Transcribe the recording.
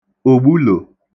ògbulò